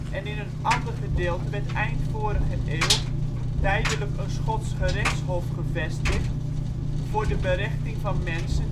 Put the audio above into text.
en in een ander gedeelte werd eind vorige eeuw tijdelijk een Schots gerechtshof gevestigd voor de berechting van mensen